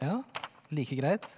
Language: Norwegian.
ja like greit.